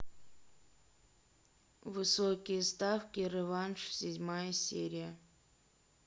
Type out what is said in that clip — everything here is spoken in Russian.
высокие ставки реванш седьмая серия